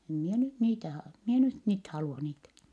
en minä nyt niitä - minä en nyt niitä halua niitä